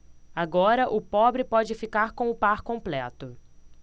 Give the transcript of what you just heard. agora o pobre pode ficar com o par completo